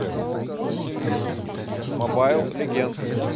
мобайл легендс